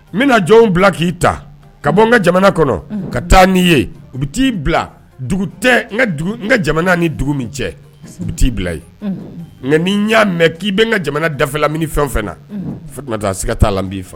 N bɛna jɔnw bila k'i ta ka bɔ n ka jamana kɔnɔ ka taa n' ye u bɛ t'i bila dugu tɛ n ka jamana ni dugu min cɛ u bɛ t'i bila ye nka n'i y'a mɛn k'i bɛ n ka jamana dafɛlaini fɛn o fɛn na taa a se ka' an b'i fɛ